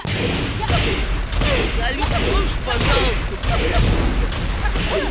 салют можешь пожалуйста выйти отсюда